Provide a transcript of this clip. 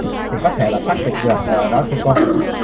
thì có thể là xác định được đó thưa cô